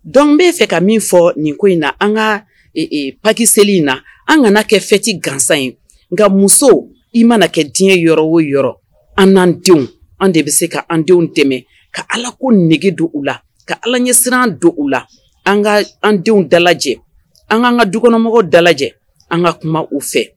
Dɔw bɛ fɛ ka min fɔ nin ko in na an ka pakiseeli in na an kana kɛ fɛti gansan ye nka musow i mana kɛ diɲɛ yɔrɔ o yɔrɔ an'an denw an de bɛ se ka anan denw dɛmɛ ka ala ko nɛgɛge don u la ka ala ɲɛ siran don u la an ka an denw dala anan ka dukɔnɔmɔgɔw dala an ka kuma u fɛ